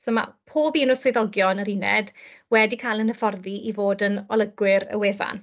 So mae pob un o'r swyddogion yr uned wedi cael, yn y ffordd, i fod yn olygwyr y wefan.